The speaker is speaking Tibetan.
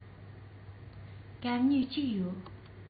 སྐམ སྨྱུག གཅིག ཡོད